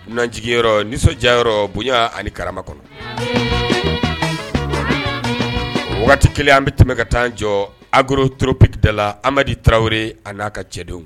Nanjyɔrɔ nisɔndiya bonya ani karama kɔnɔ waati kelen an bɛ tɛmɛ ka taa jɔ arro toropkida la ami amadudi taraweleri ani n' aa ka cɛdenw